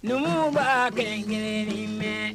Numu b'a kɛ kelenli mɛn